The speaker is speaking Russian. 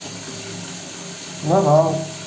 навал